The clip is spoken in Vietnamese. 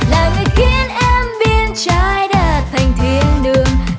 là người khiến em biến trái đất thành thiên đường